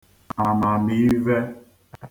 àmàmivē